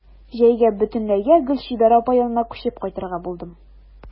Җәйгә бөтенләйгә Гөлчибәр апа янына күчеп кайтырга булдым.